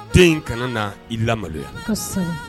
Den in kana na i la maloya